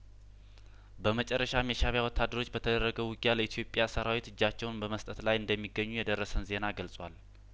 በመጨረሻም የሻእቢያ ወታደሮች በተደረገው ውጊያ ለኢትዮጵያ ሰራዊት እጃቸውን በመስጠት ላይ እንደሚገኙ የደረሰን ዜና ገልጿል